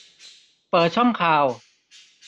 เปิดช่องข่าว